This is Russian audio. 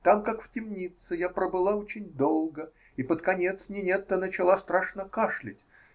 Там, как в темнице, я пробыла очень долго, и под конец Нинетта начала страшно кашлять.